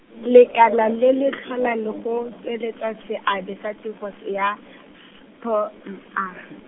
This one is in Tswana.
lekala le le tlhola le go, tsweletsa seabe sa Tiro se ya, S P M A.